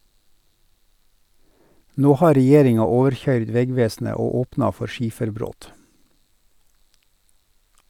Nå har regjeringa overkøyrd vegvesenet og opna for skiferbrot.